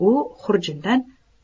u xurjundan